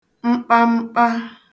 mkpamkpa